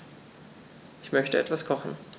Ich möchte etwas kochen.